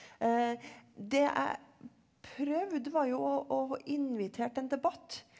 det jeg prøvde var jo å å invitere til en debatt.